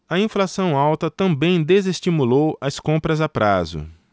a inflação alta também desestimulou as compras a prazo